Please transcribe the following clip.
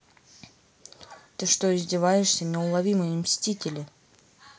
ты что издеваешься неуловимые мстители